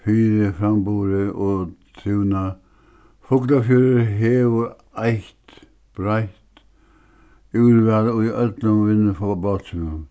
fyri framburði og trivnað fuglafjørður hevur eitt breitt úrval í øllum